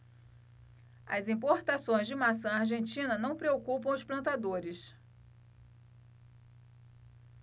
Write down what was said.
as importações de maçã argentina não preocupam os plantadores